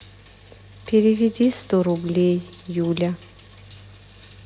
переведи сто рублей юля